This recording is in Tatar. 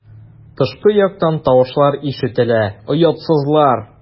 Тышкы яктан тавышлар ишетелә: "Оятсызлар!"